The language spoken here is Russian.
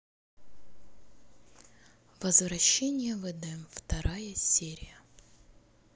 возвращение в эдем вторая серия